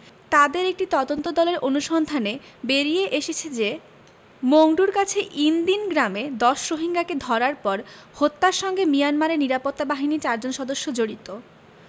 তাদের একটি তদন্তদলের অনুসন্ধানে বেরিয়ে এসেছে যে মংডুর কাছে ইনদিন গ্রামে ১০ রোহিঙ্গাকে ধরার পর হত্যার সঙ্গে মিয়ানমারের নিরাপত্তা বাহিনীর চারজন সদস্য জড়িত